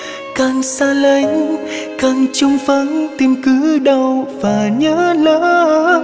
càng xa lánh càng trống vắng tim cứ đau và nhớ lắm